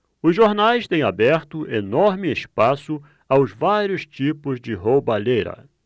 os jornais têm aberto enorme espaço aos vários tipos de roubalheira